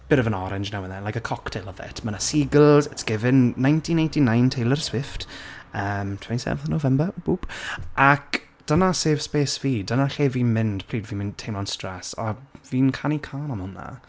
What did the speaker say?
Nit of an orange now and then, like a cocktail of it, ma' 'na seagulls, it's givin 1989, Taylor Swift, 27th of November, boop, ac dyna safe space fi, dyna lle fi'n mynd pryd fi'n teimlo'n stress, a fi'n canu cân am hwnna.